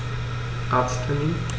Arzttermin